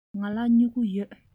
ང ལ སྨྱུ གུ ཡོད